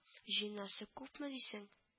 - җыенасы күпме, дисең